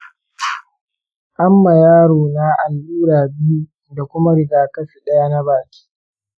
an ma yaro na allura biyu da kuma rigakafi ɗaya na baki.